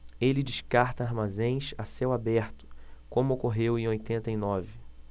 ele descarta armazéns a céu aberto como ocorreu em oitenta e nove